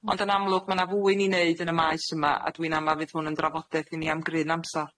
Ond yn amlwg ma' 'na fwy i ni neud yn y maes yma, a dwi'n ama' fydd hwn yn drafodeth i ni am gryn amsar.